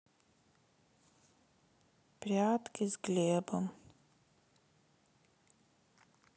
прятки с глебом